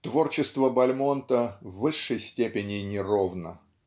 Творчество Бальмонта в высшей степени неровно.